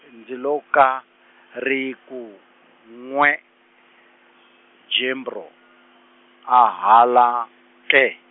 nde lo ka, ri ku nwee, Jimbro, a ha la, ke.